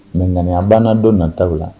Mais ŋaniya b'an la don nataw la